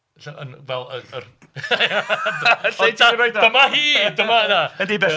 Fel yr ia... Lle ti 'di rhoid o... Dyma hi!